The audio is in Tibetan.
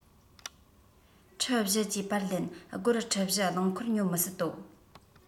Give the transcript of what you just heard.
ཁྲི ༤ ཀྱི པར ལེན སྒོར ཁྲི ༤ རླངས འཁོར ཉོ མི སྲིད དོ